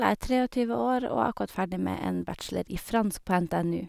Jeg er treogtyve år og er akkurat ferdig med en bachelor i fransk på NTNU.